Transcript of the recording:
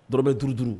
Dɔrɔmɛ 5 - 5